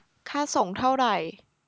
ค่าส่งเท่าไหร่